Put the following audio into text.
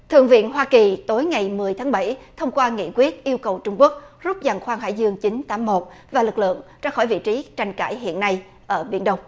thượng viện hoa kỳ tối ngày mười tháng bảy thông qua nghị quyết yêu cầu trung quốc rút giàn khoan hải dương chín tám một và lực lượng ra khỏi vị trí tranh cãi hiện nay ở biển đông